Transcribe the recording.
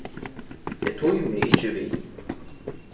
eg tími ikki við